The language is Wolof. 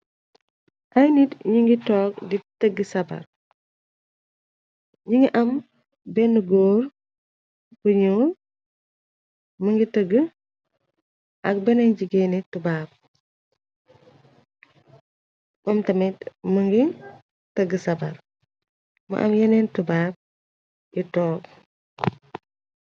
Ay nit ñu ngi toog di tëgge sabar mu ngi am benne góor bu ñuur mu ngi tëgg ak bena jigéeni tubaab omtamit mu ngi tëgg sabar mu am yeneen tubaab yi toog.